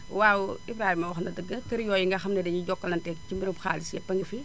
waaw Ibrahima wax na dëgg kër yooyu nga xam ne dañuy jokkalanteeg ci mbirum xaalis yëpp a ngi fi